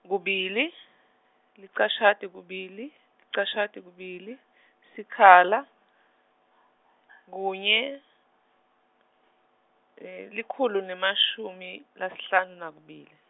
kubili licashati kubili licashati kubili, sikhala, kunye, likhulu nemashumi lasihlanu nakubili.